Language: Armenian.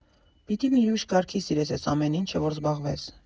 Պիտի մի ուրիշ կարգի սիրես էս ամեն ինչը, որ զբաղվես։